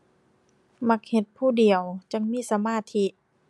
มักเฮ็ดผู้เดียวจั่งมีสมาธิ